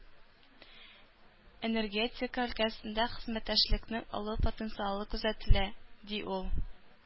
Энергетика өлкәсендә хезмәттәшлекнең олы потенциалы күзәтелә, ди ул.